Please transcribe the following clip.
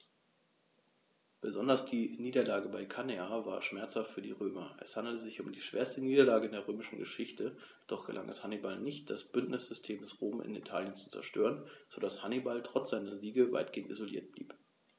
Besonders die Niederlage bei Cannae war schmerzhaft für die Römer: Es handelte sich um die schwerste Niederlage in der römischen Geschichte, doch gelang es Hannibal nicht, das Bündnissystem Roms in Italien zu zerstören, sodass Hannibal trotz seiner Siege weitgehend isoliert blieb.